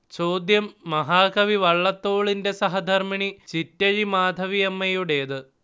ചോദ്യം മഹാകവി വള്ളത്തോളിന്റെ സഹധർമ്മിണി ചിറ്റഴി മാധവിയമ്മയുടേത്